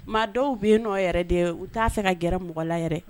Maa dɔw bɛ yen nɔ yɛrɛ de u t'a fɛ ka gɛrɛ mɔgɔla yɛrɛ